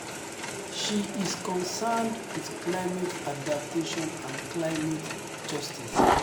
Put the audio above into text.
She is concerned with climate adaptation and climate justice.